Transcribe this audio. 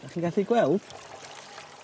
'Dach chi'n gallu gweld?